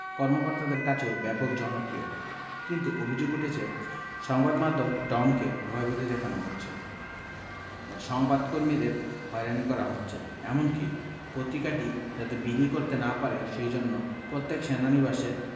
কর্মকর্তাদের কাছেও ব্যাপক জনপ্রিয় কিন্তু অভিযোগ উঠেছে সংবাদ মাধ্যম ডনকে ভয়ভীতি দেখানো হচ্ছে এর সংবাদ কর্মীদের হয়রানি করা হচ্ছে এমনকি পত্রিকাটি যাতে বিলি করতে না পারে সেজন্যে প্রত্যেক সেনানিবাসে